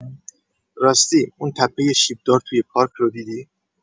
راستی، اون تپۀ شیب‌دار توی پارک رو دیدی؟